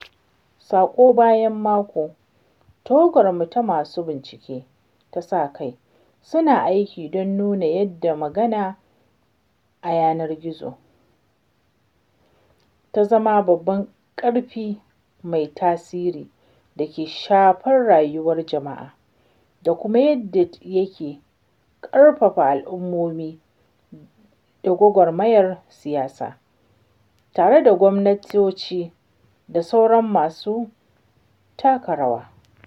Mako bayan mako, tawagarmu ta masu aikin sa-kai suna aiki don nuna yadda magana a yanar gizo ta zama babban ƙarfi mai tasiri da ke shafar rayuwar jama’a, da kuma yanda yake ƙarfafa al’ummomi da gwagwarmayar siyasa tare da gwamnatoci da sauran masu taka rawa .